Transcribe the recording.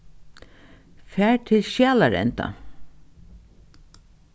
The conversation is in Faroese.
far til skjalarenda